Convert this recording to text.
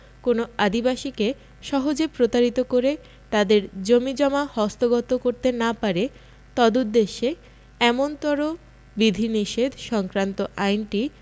কোনও আদিবাসীকে সহজে প্রতারিত করে তাদের জমিজমা হস্তগত করতে না পারে তদুদ্দেশে এমনতর বিধিনিষেধ সংক্রান্ত আইনটি